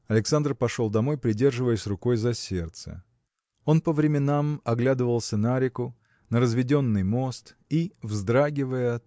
Александр пошел домой, придерживаясь рукой за сердце. Он по временам оглядывался на реку на разведенный мост и вздрагивая